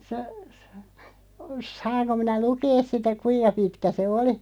se - saanko minä lukea sitä kuinka pitkä se oli